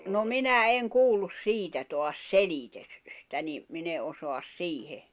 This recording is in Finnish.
no minä en kuullut siitä taas - selitystä niin minä en osaa siihen